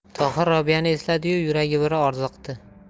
tohir robiyani esladi yu yuragi bir orziqdi